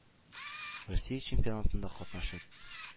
Россия чемпионатында катнашып,